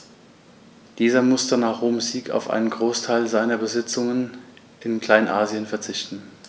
Dieser musste nach Roms Sieg auf einen Großteil seiner Besitzungen in Kleinasien verzichten.